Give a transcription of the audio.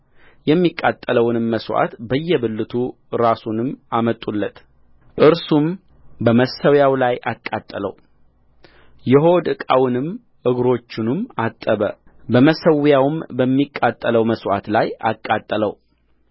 የሚቃጠለውንም መሥዋዕት በየብልቱ ራሱንም አመጡለት እርሱም በመሠዊያው ላይ አቃጠለውየሆድ ዕቃውንና እግሮቹንም አጠበ በመሠዊያውም በሚቃጠለው መሥዋዕት ላይ አቃጠለው